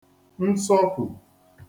nsọkwù